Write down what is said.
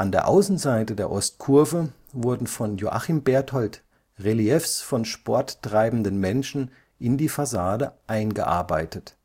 der Außenseite der Ostkurve wurden von Joachim Berthold Reliefs von sporttreibenden Menschen in die Fassade eingearbeitet